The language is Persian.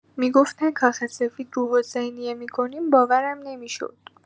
می‌گفتن کاخ سفید رو حسینیه می‌کنیم باورم نمی‌شد!